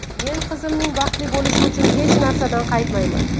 men qizimning baxtli bo'lishi uchun hech narsadan qaytmayman